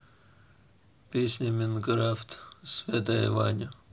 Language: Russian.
песня minecraft святая ваня